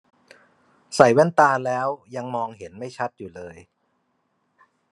ใส่แว่นตาแล้วยังมองเห็นไม่ชัดอยู่เลย